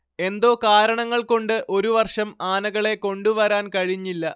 എന്തോ കാരണങ്ങൾകൊണ്ട് ഒരു വർഷം ആനകളെ കൊണ്ടുവരാൻ കഴിഞ്ഞില്ല